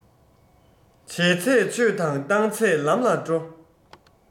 བྱས ཚད ཆོས དང བཏང ཚད ལམ ལ འགྲོ